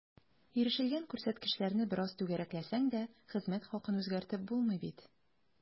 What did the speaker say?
Ирешелгән күрсәткечләрне бераз “түгәрәкләсәң” дә, хезмәт хакын үзгәртеп булмый бит.